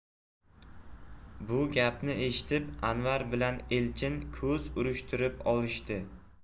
bu gapni eshitib anvar bilan elchin ko'z urishtirib olishdi